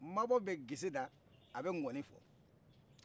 mabɔ bɛ geseda a bɛ ŋɔni fɔ